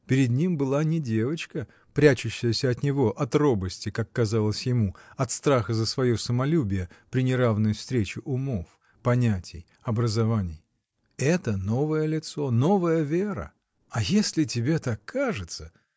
Перед ним была не девочка, прячущаяся от него от робости, как казалось ему, от страха за свое самолюбие при неравной встрече умов, понятий, образований. Это новое лицо, новая Вера! — А если тебе так кажется.